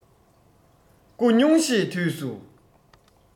སྐུ སྙུང གཞེས དུས སུ